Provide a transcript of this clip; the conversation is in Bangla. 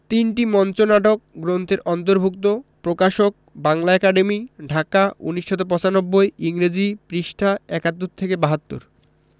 তিনটি মঞ্চনাটক গ্রন্থের অন্তর্ভুক্ত প্রকাশকঃ বাংলা একাডেমী ঢাকা ১৯৯৫ ইংরেজি পৃঃ ৭১ থেকে ৭২